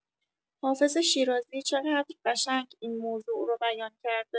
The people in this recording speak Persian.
حافظ شیرازی چقدر قشنگ این موضوع رو بیان کرده.